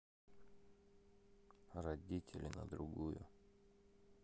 родители на другую